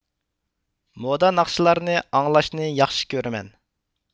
مودا ناخشىلارنى ئاڭلاشنى ياخشى كۆرىمەن